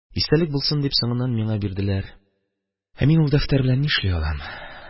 Истәлек булсын дип, соңыннан миңа бирделәр, ә мин ул дәфтәр белән нишли алам?